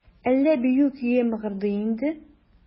Әллә бию көе мыгырдый инде?